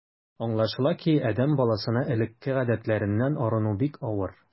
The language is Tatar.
Аңлашыла ки, адәм баласына элекке гадәтләреннән арыну бик авыр.